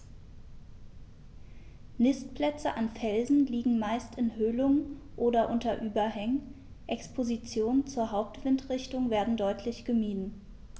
Nistplätze an Felsen liegen meist in Höhlungen oder unter Überhängen, Expositionen zur Hauptwindrichtung werden deutlich gemieden.